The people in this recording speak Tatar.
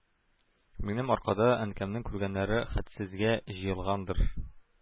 Минем аркада Әнкәмнең күргәннәре хәтсезгә җыелгандыр.